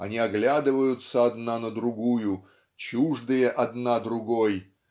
они оглядываются одна на другую чуждые одна другой